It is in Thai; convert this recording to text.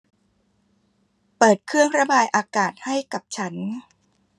เปิดเครื่องระบายอากาศให้กับฉัน